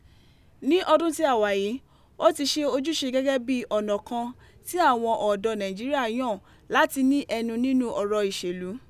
Ní ọdún tí a wà yìí, ó ti ṣe ojúṣe gẹ́gẹ́ bíi ọ̀nà kan tí àwọn ọ̀dọ́ọ Nàìjíríà yàn láti ní ẹnu nínú ọ̀rọ̀ ìṣèlú.